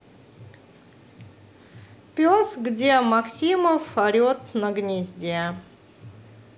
пес где максимов орет на гнезде